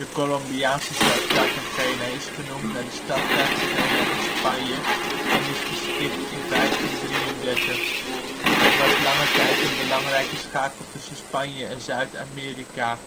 Colombiaanse stad Cartagena is genoemd naar de stad Cartagena in Spanje en is gesticht in 1533. Het was lange tijd een belangrijke schakel tussen Spanje en Zuid-Amerika